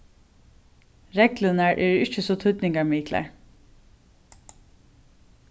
reglurnar eru ikki so týdningarmiklar